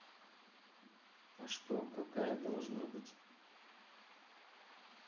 а что какая должна быть